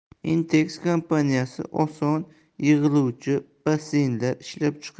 intex kompaniyasi oson yig'iluvchi basseynlar ishlab